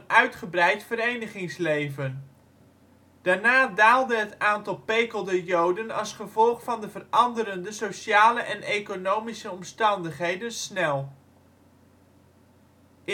uitgebreid verenigingsleven. Daarna daalde het aantal Pekelder Joden als gevolg van de veranderende sociale en economische omstandigheden snel. Joodse begraafplaats met het Joods monument (1950) In